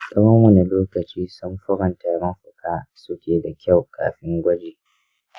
tsawon wane lokaci samfuran tarin fuka suke da kyau kafin gwaji?